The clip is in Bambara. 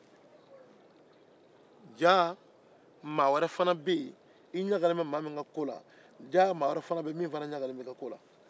jaa i ɲagalen bɛ maa dɔ ka ko la maa wɛrɛ fana bɛ yen min ɲagalen don i ka ko la